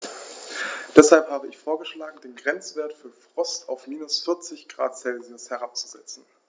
Deshalb habe ich vorgeschlagen, den Grenzwert für Frost auf -40 ºC herabzusetzen.